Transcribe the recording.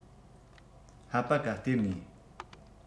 ཧ པ ཀ སྟེར ངེས